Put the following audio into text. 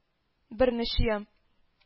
Берне чөям